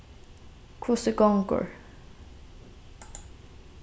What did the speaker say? hvussu gongur